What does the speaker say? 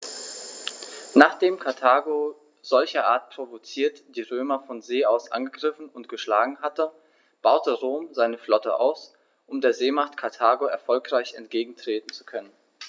Nachdem Karthago, solcherart provoziert, die Römer von See aus angegriffen und geschlagen hatte, baute Rom seine Flotte aus, um der Seemacht Karthago erfolgreich entgegentreten zu können.